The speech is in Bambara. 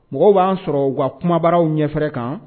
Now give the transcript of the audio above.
Mɔgɔ b'aan sɔrɔ u nka kumabaaraww ɲɛfɛ kan